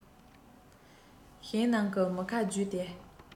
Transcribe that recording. ཞིང ནང གི མུ ཁ བརྒྱུད དེ